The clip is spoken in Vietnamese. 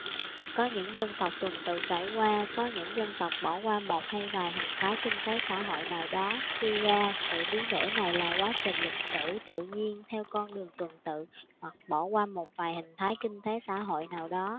có những dân tộc tuần tự trải qua có những dân tộc bỏ qua một hay vài hình thái kinh tế xã hội nào đó suy ra sự biến đổi này là quá trình lịch sử tự nhiên theo con đường tuần tự hoặc bỏ qua một vài hình thái kinh tế xã hội nào đó